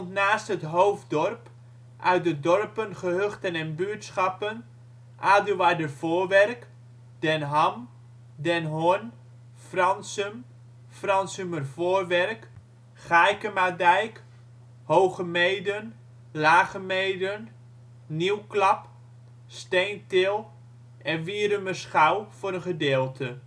naast het hoofddorp uit de dorpen, gehuchten en buurtschappen: Aduardervoorwerk, Den Ham, Den Horn, Fransum, Fransumervoorwerk, Gaaikemadijk, Hoogemeeden, Lagemeeden, Nieuwklap, Steentil en Wierumerschouw (gedeeltelijk